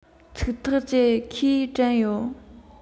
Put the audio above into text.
ཚིག ཐག བཅད ཁོས ཡས དྲན ཡོད